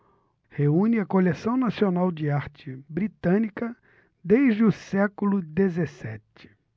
reúne a coleção nacional de arte britânica desde o século dezessete